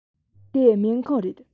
དེ སྨན ཁང རེད